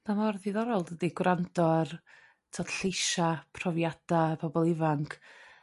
Ma' mor ddiddorol dydi? Gwrando ar t'od lleisia' profiada' y pobl ifanc